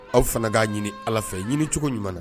Aw fana k'a ɲini ala fɛ ɲini cogo ɲuman na